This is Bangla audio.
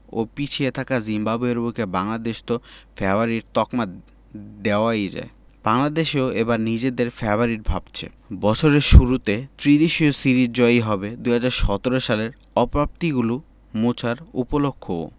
ও পিছিয়ে থাকা জিম্বাবুয়ের বিপক্ষে বাংলাদেশকে তো ফেবারিট তকমা দেওয়াই যায় বাংলাদেশও এবার নিজেদের ফেবারিট ভাবছে বছরের শুরুতে ত্রিদেশীয় সিরিজ জয়ই হবে ২০১৭ সালের অপ্রাপ্তিগুলো মোছার উপলক্ষও